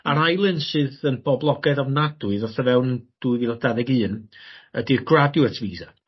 A'r ail un sydd yn boblogedd ofnadwy ddath e fewn dwy fil a dau ddeg un ydi'r graduate visa.